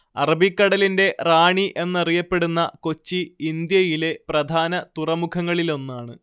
അറബിക്കടലിന്റെ റാണി എന്നറിയപ്പെടുന്ന കൊച്ചി ഇന്ത്യയിലെ പ്രധാന തുറമുഖങ്ങളിലൊന്നാണ്